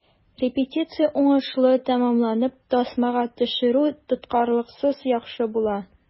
Репетиция уңышлы тәмамланып, тасмага төшерү тоткарлыксыз яхшы була.